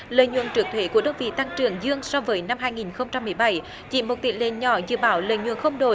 lợi nhuận trước thuế của đơn vị tăng trưởng dương so với năm hai nghìn không trăm mười bảy chỉ một tỷ lệ nhỏ dự báo lợi nhuận không đổi